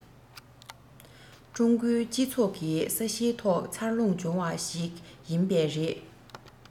ཀྲུང གོའི སྤྱི ཚོགས ཀྱི ས གཞིའི ཐོག འཚར ལོངས བྱུང བ ཞིག ཡིན པས རེད